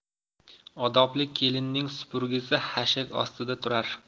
odobli kelinning supurgisi xashak ostida turar